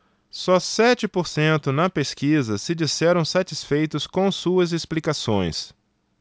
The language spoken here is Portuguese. só sete por cento na pesquisa se disseram satisfeitos com suas explicações